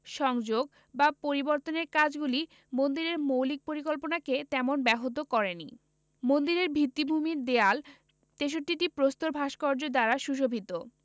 সংযোগ বা পরিবর্তনের কাজগুলি মন্দিরের মৌলিক পরিকল্পনাকে তেমন ব্যাহত করে নি মন্দিরের ভিত্তিভূমির দেয়াল ৬৩টি প্রস্তর ভাস্কর্য দ্বারা সুশোভিত